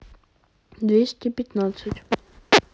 двести пятнадцать